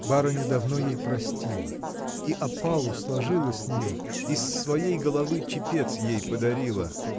Барыня давно ей простила, и опалу сложила с нее, и с своей головы чепец подарила